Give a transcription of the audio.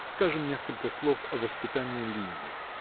скажем несколько слов о воспитании Лизы.